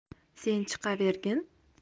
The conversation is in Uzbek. sen chiqavergin